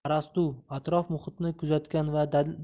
arastu atrof muhitni kuzatgan va dalillar